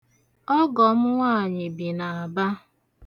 Ọgọ m nwaanyị bi n'Aba.